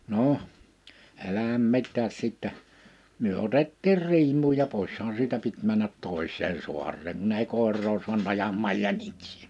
no älähän mitään sitten me otettiin riimuun ja pois siitä piti mennä toiseen saareen kun ei koiraa saanut ajamaan jäniksiä